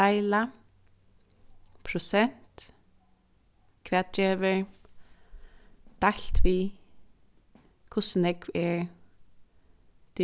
deila prosent hvat gevur deilt við hvussu nógv er